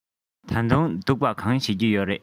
ད དུང སྡུག པ གང བྱེད ཀྱི ཡོད རས